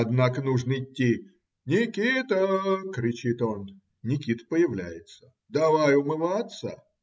- Однако нужно идти. "- Никита! - кричит он. Никита появляется. - Давай умываться.